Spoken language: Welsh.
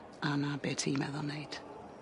A 'na be' ti'n meddwl neud.